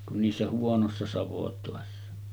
kuin niissä huonoissa savotoissa